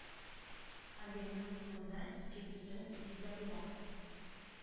Аделнең кулында ике бөтен ипи дә була